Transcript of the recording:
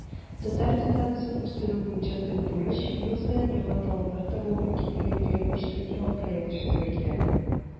Татар эстрадасын үстерү буенча төп бурыч - ел саен яңа талантлар табу мөмкинлеге биргән 3-4 яңа проект эшләргә кирәк.